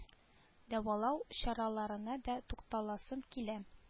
Дәвалау чараларына да тукталасым килә